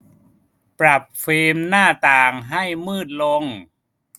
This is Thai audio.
ปรับฟิล์มหน้าต่างให้มืดลง